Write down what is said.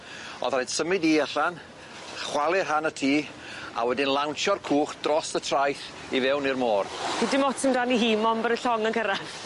O'dd rhaid symud 'i allan chwalu rhan y tŷ a wedyn lawnsio'r cwch drosy y traeth i fewn i'r môr. 'Lly dim ots amdani hi mond bod y llong yn cyrradd!